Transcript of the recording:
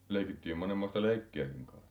leikittiin monenmoista leikkiäkin kai